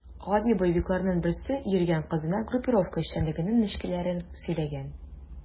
Гади боевикларның берсе йөргән кызына группировка эшчәнлегенең нечкәлекләрен сөйләгән.